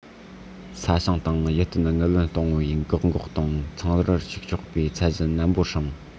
ས ཞིང དང ཡིད རྟོན དངུལ བུན གཏོང བའི འགག སྒོ དང ཚོང རར ཞུགས ཆོག པའི ཚད གཞི ནན པོ སྲུང